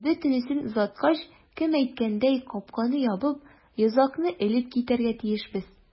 Бөтенесен озаткач, кем әйткәндәй, капканы ябып, йозакны элеп китәргә тиешбез.